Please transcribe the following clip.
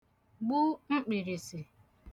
gbu mkpìrìsì